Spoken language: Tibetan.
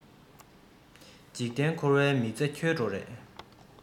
འཇིག རྟེན འཁོར བའི མི ཚེ འཁྱོལ འགྲོ རེད